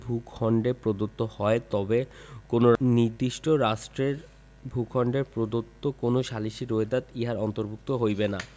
ভূখন্ডে প্রদত্ত হয় তবে কোন নির্দিষ্ট রাষ্ট্রের ভূখন্ডে প্রদত্ত কোন সালিসী রোয়েদাদ ইহার অন্তর্ভুক্ত হইবে না